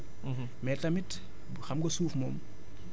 loolu dafay nekk benn moyen bu nga xamante ni la pour aar suuf si la